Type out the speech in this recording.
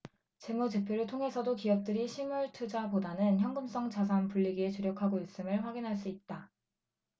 재무제표를 통해서도 기업들이 실물투자보다는 현금성 자산 불리기에 주력하고 있음을 확인할 수 있다